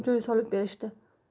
joy solib berishdi